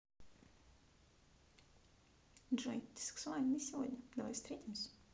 джой ты сексуальный сегодня давай встретимся